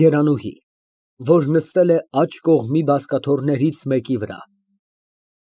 ԵՐԱՆՈՒՀԻ ֊ (Որ նստել է աջ կողմի բազկաթոռներից մեկի վրա)։